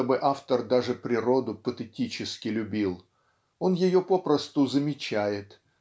чтобы автор даже природу патетически любил он ее попросту замечает